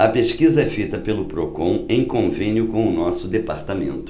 a pesquisa é feita pelo procon em convênio com o diese